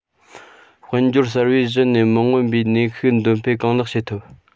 དཔལ འབྱོར གསར པས གཞི ནས མི མངོན པའི ནུས ཤུགས འདོན སྤེལ གང ལེགས བྱེད ཐུབ